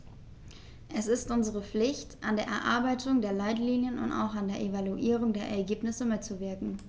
Es ist unsere Pflicht, an der Erarbeitung der Leitlinien und auch an der Evaluierung der Ergebnisse mitzuwirken.